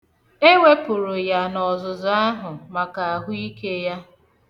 Ewepụru ya n'ọzụzụ ahụ maka ahụike ya.